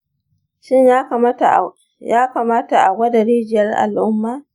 shin ya kamata a gwada rijiyar al’umma?